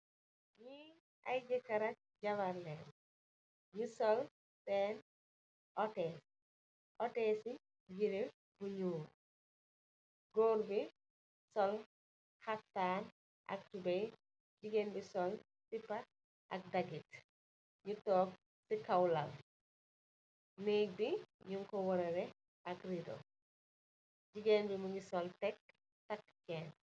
ñi ay jëkar ak jabar leen ñu sol seen outes, outes ci jireh bu ñuul. góor bi sol haftaan ak tubay. Jigéen bi sol sipa ak dagit ñu toog ci kaw lal. néeg bi ñu ko warare ak rido. Jigéen bi mu ngi sol tekk takk cheen